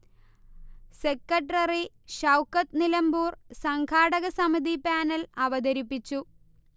secretary Shoukath Nilambur സംഘാടക സമിതി panel അവതരിപ്പിച്ചു